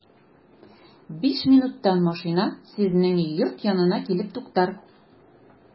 Биш минуттан машина сезнең йорт янына килеп туктар.